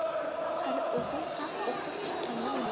hali o'zim ham o'qib chiqqanim yo'q